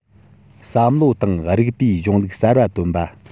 བསམ བློ དང རིགས པའི གཞུང ལུགས གསར བ འདོན པ